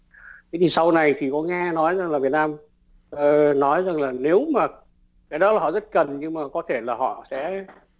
thế thì sau này thì có nghe nói rằng là việt nam nói rằng là nếu mà cái đó là họ rất cần nhưng mà có thể là họ sẽ